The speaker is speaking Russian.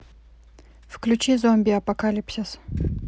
включи зомби апокалипсис